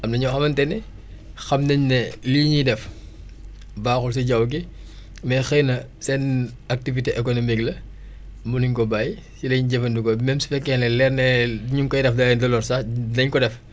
am nañoo xamante ne xam nañ ne lii ñuy def baaxul si jaww gi mais xëy na seen activité économique la munuñ ko bàyyi ci lañ jëfandikoo même su fekkee ne leer na ñu ngi koy def da leen di lor sax dinañ ko def